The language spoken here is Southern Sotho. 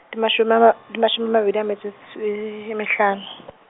di mashome a ma-, di mashome a mabedi a metso , e mehlano.